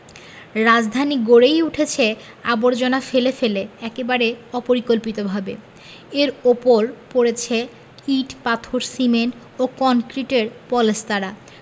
রাজধানী গড়েই উঠেছে আবর্জনা ফেলে ফেলে একেবারেই অপরিকল্পিতভাবে এর ওপর পড়েছে ইট পাথর সিমেন্ট ও কংক্রিটের পলেস্তারা